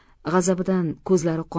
g'azabidan ko'zlariga qon